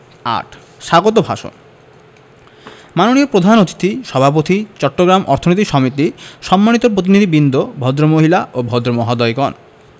০৮ স্বাগত ভাষণ মাননীয় প্রধান অতিথি সভাপতি চট্টগ্রাম অর্থনীতি সমিতি সম্মানীয় প্রতিনিধিবৃন্দ ভদ্রমহিলা ও ভদ্রমহোদয়গণ